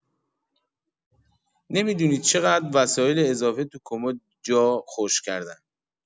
نمی‌دونی چقدر وسایل اضافه تو کمد جا خوش کردن!